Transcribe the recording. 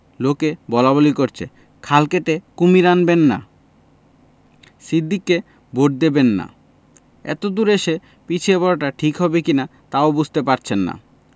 লোকে বলাবলি করছে খাল কেটে কুশীর আনবেন না সিদ্দিককে ভোট দেবেন না এতদূর এসে পিছিয়ে পড়াটা ঠিক হবে কি না তাও বুঝতে পারছেন না